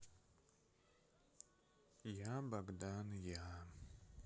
я богдан я